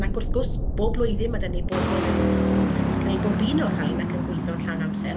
ac wrth gwrs, bob blwyddyn ma' 'da ni bobl yn yn gwneud bob un o'r rhain ac yn gweithio'n llawn amser,